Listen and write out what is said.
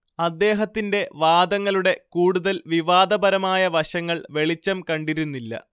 അദ്ദേഹത്തിന്റെ വാദങ്ങളുടെ കൂടുതൽ വിവാദപരമായ വശങ്ങൾ വെളിച്ചം കണ്ടിരുന്നില്ല